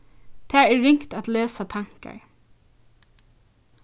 tað er ringt at lesa tankar